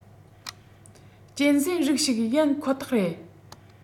གཅན གཟན རིགས ཞིག ཡིན ཁོ ཐག རེད